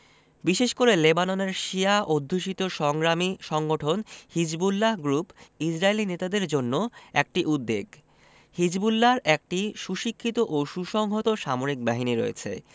বিশেষ করে লেবাননের শিয়া অধ্যুষিত সংগ্রামী সংগঠন হিজবুল্লাহ গ্রুপ ইসরায়েলি নেতাদের জন্য একটি উদ্বেগ হিজবুল্লাহর একটি সুশিক্ষিত ও সুসংহত সামরিক বাহিনী রয়েছে